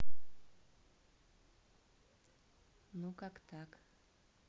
ну как так